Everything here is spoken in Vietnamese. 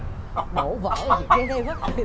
đổ vở gì ghê ghê úa